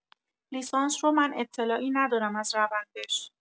لیسانس رو من اطلاعی ندارم از روندش